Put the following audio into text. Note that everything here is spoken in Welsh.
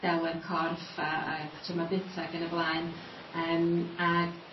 delwedd corff a a patryma bita ag yn y blaen yym ag